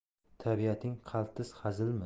tabiatning qaltis hazilimi